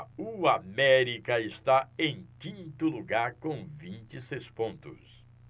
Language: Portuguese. o américa está em quinto lugar com vinte e seis pontos